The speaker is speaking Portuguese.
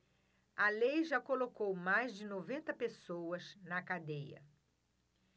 a lei já colocou mais de noventa pessoas na cadeia